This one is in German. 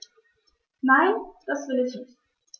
Nein, das will ich nicht.